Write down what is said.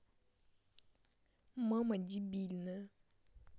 мама дебильная